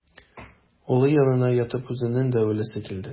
Улы янына ятып үзенең дә үләсе килде.